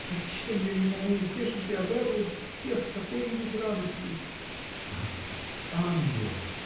зачем я не могу утешить и обрадовать всех какой-нибудь радостью? – Ангел! ангел!